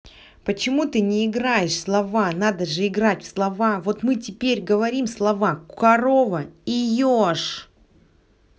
почему ты не играешь слова надо же играть в слова вот мы теперь говорим слова корова и еж